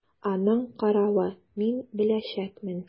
Аның каравы, мин беләчәкмен!